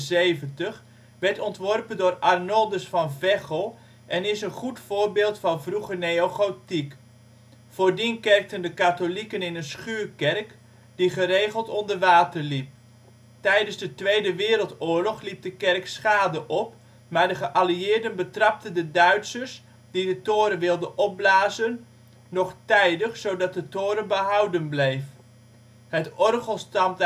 1873 werd ontworpen door Arnoldus van Veggel en is een goed voorbeeld van vroege neogotiek. Voordien kerkten de katholieken in een schuurkerk, die geregeld onder water liep. Tijdens de Tweede Wereldoorlog liep de kerk schade op, maar de geallieerden betrapten de Duitsers, die de toren wilden opblazen, nog tijdig, zodat de toren behouden bleef. Het orgel stamt